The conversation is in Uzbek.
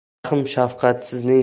rahm shafqat sizning